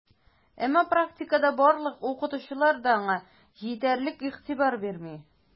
Әмма практикада барлык укытучылар да аңа җитәрлек игътибар бирми: